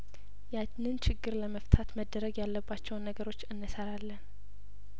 ያንን ችግር ለመፍታት መደረግ ያለባቸውን ነገሮች እንሰራለን